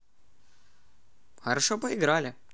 хорошо поиграли